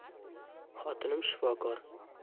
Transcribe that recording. xotinim shifokor